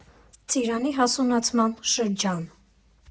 Ծիրանի հասունացման շրջան։